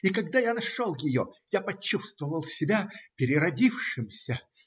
- И когда я нашел ее, я почувствовал себя переродившимся.